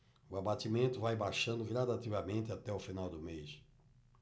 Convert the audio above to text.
o abatimento vai baixando gradativamente até o final do mês